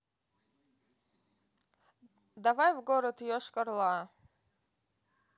давай в города йошкар ола